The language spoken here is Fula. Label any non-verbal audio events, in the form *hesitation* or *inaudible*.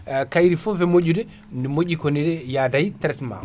*hesitation* kayri foof e moƴƴdude ndi moƴƴi koye yada e traitement o